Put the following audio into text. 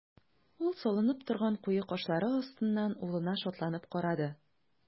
Ул салынып торган куе кашлары астыннан улына шатланып карады.